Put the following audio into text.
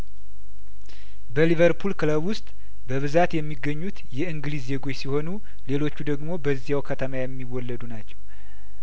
በሊቨርፑል ክለብ ውስጥ በብዛት የሚገኙት የእንግሊዝ ዜጐች ሲሆኑ ሌሎቹ ደግሞ በዚያው ከተማ የሚወለዱ ናቸው